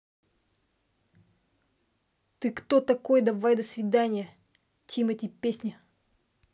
ты кто такой давай до свидания тимати песня